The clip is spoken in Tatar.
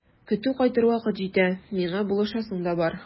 Көтү кайтыр вакыт җитә, миңа булышасың да бар.